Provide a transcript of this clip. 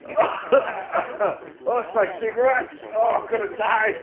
"It's like cigarettes oh I'm gonna die"